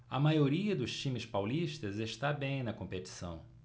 a maioria dos times paulistas está bem na competição